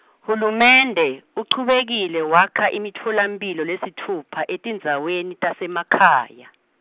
hulumende, uchubekile wakha imitfolamphilo lesitfupha, etindzaweni, tasemakhaya.